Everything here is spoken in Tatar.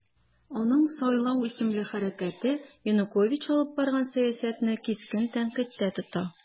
Аның "Сайлау" исемле хәрәкәте Янукович алып барган сәясәтне кискен тәнкыйтькә тота.